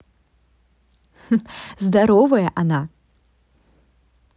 здоровое она